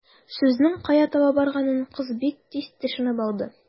Сүзнең кая таба барганын кыз бик тиз төшенеп алды.